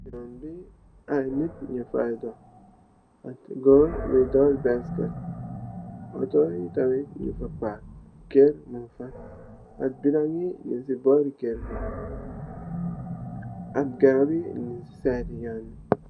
Yon bii aiiy nitt nyufai dokh ak gorre bui dawal bicycle, autor yii tamit njung fa pack, kerr mung fa, ak bidon yii nung cii bohri kerr bii, ak garab yii njung side yon bii.